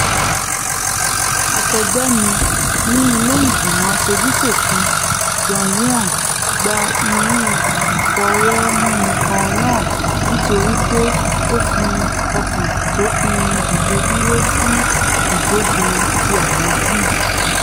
Akẹgbẹ́ mi ní ilé ìgbìmọ aṣojú-ṣòfin Joan Ryan gba irú ìfọwọ́múni kan náà nítorípe o fi ọkàn tó pinnu díde dúró sí ìgbógun ti àwọn Júù.